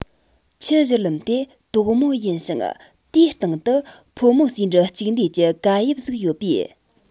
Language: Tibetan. ཆུ བཞུར ལམ དེ དོག མོ ཡིན ཞིང དེའི སྟེང དུ ཕོ མོ ཟེའུ འབྲུ གཅིག འདུས གྱི ཀ དབྱིབས གཟུགས ཡོད པས